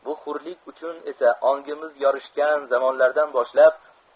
bu hurlik uchun esa ongimiz yorishgan zamonlardan boshlab